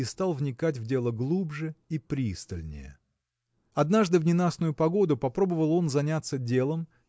и стал вникать в дело глубже и пристальнее. Однажды в ненастную погоду попробовал он заняться делом